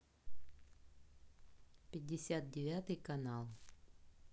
пятьдесят девятый канал